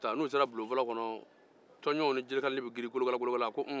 n'u sera bilon fɔlɔ kɔnɔ tɔnjɔnw ni jelekalanin bɛ girin kolokala a ko unun kolokala